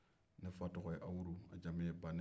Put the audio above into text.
ne fa tɔgɔ ye abudu a jamu ye fanɛ